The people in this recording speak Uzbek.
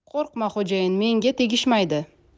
qo'rqma xo'jayin menga tegishmaydi